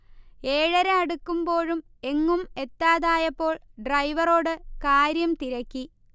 ഏഴര അടുക്കുമ്പോഴും എങ്ങും എത്താതായപ്പോൾ ഡ്രൈവറോട് കാര്യം തിരക്കി